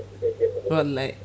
wallay